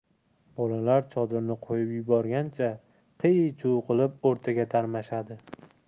bolalar chodirni qo'yib yuborgancha qiy chuv qilib o'rtaga tarmashadi